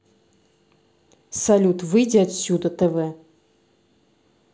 салют выйди отсюда тв